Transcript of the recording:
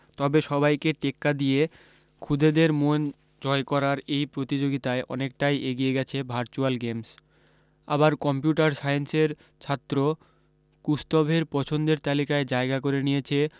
তবে সবাইকে টেক্কা দিয়ে খুদেদের মন জয় করার এই প্রতিযোগিতায় অনেকটাই এগিয়ে গেছে ভারচুয়াল গেমস আবার কম্পিউটার সায়েন্সের ছাত্র কুস্তভের পছন্দের তালিকায় জায়গা করে নিয়েছে